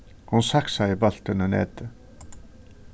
hon saksaði bóltin í netið